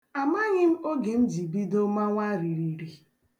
Amaghị m oge m ji bido mawa ririri.